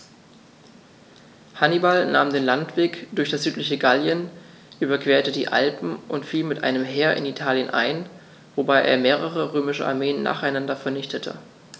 Hannibal nahm den Landweg durch das südliche Gallien, überquerte die Alpen und fiel mit einem Heer in Italien ein, wobei er mehrere römische Armeen nacheinander vernichtete.